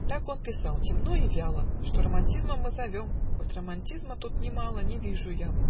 " Так он писал темно и вяло (Что романтизмом мы зовем, Хоть романтизма тут нимало Не вижу я